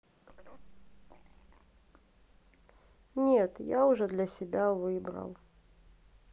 нет я уже для себя выбрал